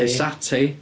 Hesate.